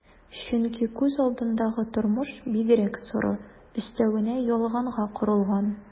Чөнки күз алдындагы тормыш бигрәк соры, өстәвенә ялганга корылган...